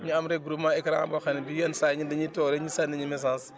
ñu am rek groupement AICRA boo xam ne bii yenn saa yi ñun dañuy toog rek ñu sànniñu message